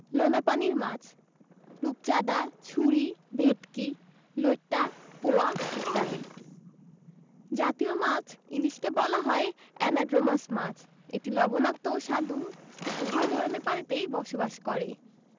লোনাপানির মাছ রূপচাঁদা ছুরি ভেটকি লইট্টা পোয়া ইত্যাদি জাতীয় মাছ ইলিশকে বলা হয় অ্যানাড্রোমাস মাছ এটি লবণাক্ত ও স্বাদু উভয় ধরনের পানিতেই বসবাস করে